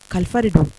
Kalifa de don